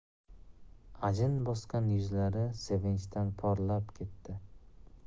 ajin bosgan yuzlari sevinchdan porlab ketdi